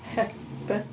He be?